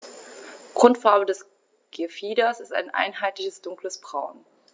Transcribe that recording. Grundfarbe des Gefieders ist ein einheitliches dunkles Braun.